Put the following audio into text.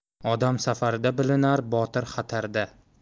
odam safarda bilinar botir xatarda